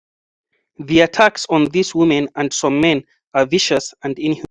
The attacks on these women (and some men) are vicious and inhuman.